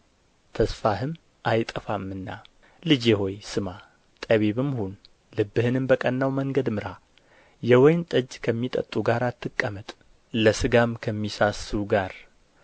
ተስፋህም አይጠፋምና ልጄ ሆይ ስማ ጠቢብም ሁን ልብህንም በቀናው መንገድ ምራ የወይን ጠጅ ከሚጠጡ ጋር አትቀመጥ ለሥጋም ከሚሣሡ ጋር